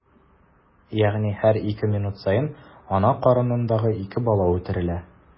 Ягъни һәр ике минут саен ана карынындагы ике бала үтерелә.